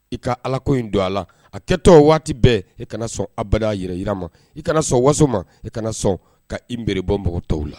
I ka alako in don a la a kɛtɔ waati bɛɛ e kana sɔn aba jira yi ma i kana sɔn waso ma e kana sɔn ka ib bɔnmɔgɔw tɔww la